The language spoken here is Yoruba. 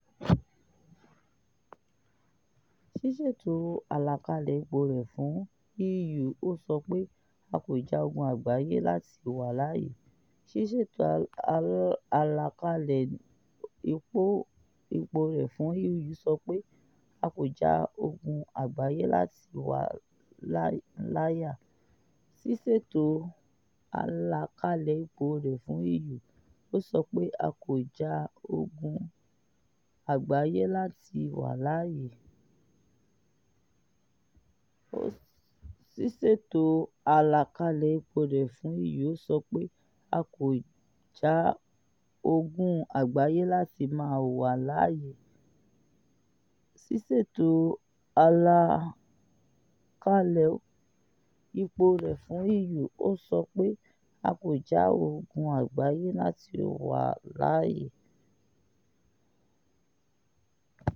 Ṣíṣètò àlàkalẹ̀ ipò rẹ̀ fún EU, o sọ pé: 'A kò ja ogun àgbáyé láti wà láàyè.